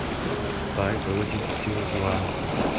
стар против сил зла